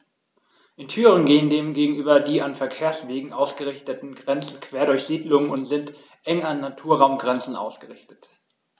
In Thüringen gehen dem gegenüber die an Verkehrswegen ausgerichteten Grenzen quer durch Siedlungen und sind eng an Naturraumgrenzen ausgerichtet.